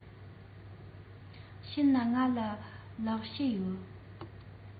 ཕྱིན ན ང ལ ལན བྱེད རོགས